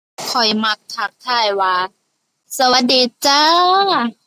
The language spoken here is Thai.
ข้อยมักทักทายว่า สวัสดีจ้า